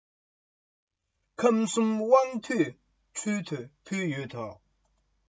ཁམས གསུམ དབང འདུས དྲུང དུ ཕུལ ཡོད དོ